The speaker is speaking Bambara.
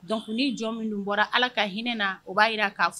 Dɔnkilic jɔn minnu bɔra ala ka hinɛ na o b'a jira k'a fɔ